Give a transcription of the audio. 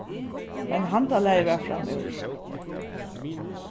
men handalagið var framúr